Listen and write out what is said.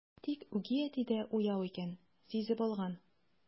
Тик үги әти дә уяу икән, сизеп алган.